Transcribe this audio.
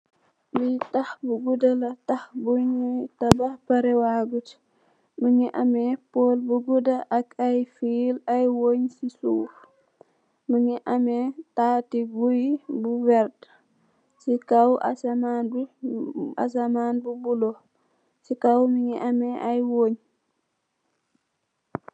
Lii takh bu guda la, takh bu njui tabakh pareh waangut, mungy ameh pol bu gudah ak aiiy fill aiiy weungh cii suff, mungy ameh taati guiiy bu vert, cii kaw asahman bii, asahman bu bleu, cii kaw mungy ameh aiiy weungh.